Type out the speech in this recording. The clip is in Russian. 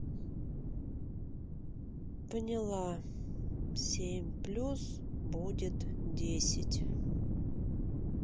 поняла семь плюс будет десять